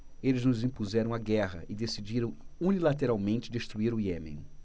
eles nos impuseram a guerra e decidiram unilateralmente destruir o iêmen